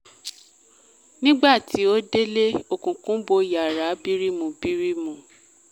Nígbà tí ó délé, òkùnkùn bo iyàrá birimùbirimù.